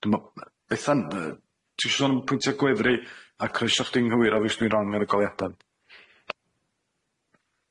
Dwi'mo' Bethan yy ti isio sôn am pwyntio gwefri a croeso chdi'n nghywiro fi os dwi'n wrong efo'r goleuada.